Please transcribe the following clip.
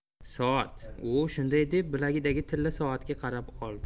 soat u shunday deb bilagidagi tilla soatga qarab oldi